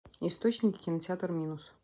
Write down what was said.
источники кинотеатр минус